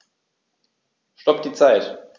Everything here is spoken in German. Stopp die Zeit